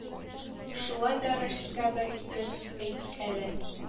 Шулай да рәшиткә бер-ике сүз әйтик әле